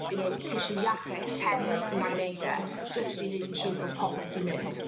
you know tissue iachus hefyd 'nai neud e jyst i neud yn siŵr bo' popeth 'di mynd